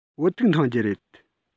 བོད ཐུག འཐུང རྒྱུ རེད